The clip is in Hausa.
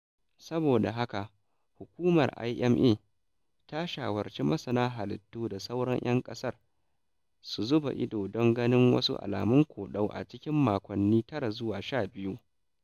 Saboda haka hukumar IMA ta shawarci masana halittu da sauran 'yan ƙasar su zuba ido don ganin wasu alamun koɗau a cikin makonni 9-12.